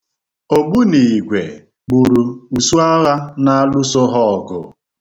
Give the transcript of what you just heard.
Ogbuniigwe gburu usuagha na-alụso ha ọgụ.